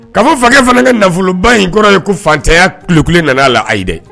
Ka f'u fakɛ fana bɛ nafoloba in kɔrɔ ye ko fantanya kule 1 na na la ayi dɛ.